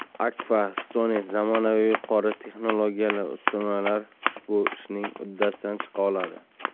akfa stone zamonaviy yuqori texnologiyali uskunalar ushbu ishning uddasidan chiqa oladi